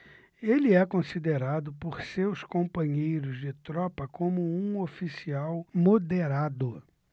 ele é considerado por seus companheiros de tropa como um oficial moderado